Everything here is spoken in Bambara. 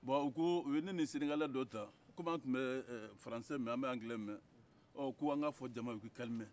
u ye ne ni senegalika dɔ ta kɔmi an tun bɛ faransikan mɛn an bɛ angilɛkan mɛn k'an ka fɔ cama ye k'an k'an sabali